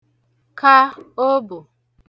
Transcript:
ka obù